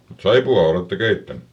mutta saippuaa olette keittänyt